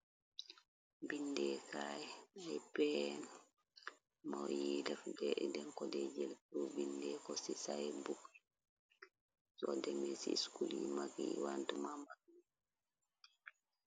bindeekaay ay pen mo yi daf gee den kode jël tro bindee ko ci sai bukk so deme ci skuli mag yi wantu mama.